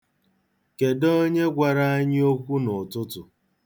Kedụ onye gwara anyị n'ụtụtụ?